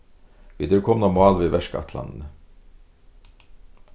vit eru komin á mál við verkætlanini